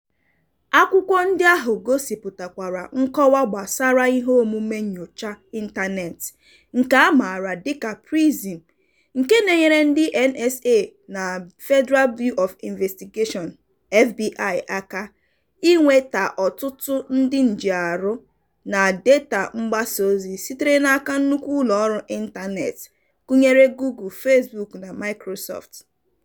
Akwụkwọ ndị ahụ gosịpụtakwara nkọwa gbasara iheomume nnyocha ịntaneetị nke a maara dịka PRISM, nke na-enyere ndị NSA na Federal Bureau of Investigation (FBI) aka inweta ọtụtụ ndị njiarụ na data mgbasaozi sitere n'aka nnukwu ụlọọrụ ịntaneetị gụnyere Google, Facebook na Microsoft.